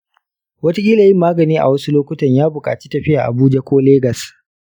wataƙila yin magani a wasu lokuttan ya buƙaci tafiya abuja ko legas.